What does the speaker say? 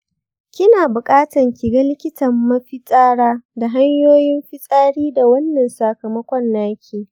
kina bukatan kiga likitan mafitsara da hanyoyin fitsari da wannan sakamakon naki.